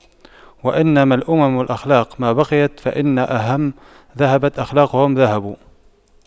وإنما الأمم الأخلاق ما بقيت فإن هم ذهبت أخلاقهم ذهبوا